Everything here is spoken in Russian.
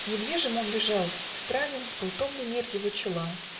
Недвижим он лежал, и странен Был томный мир его чела.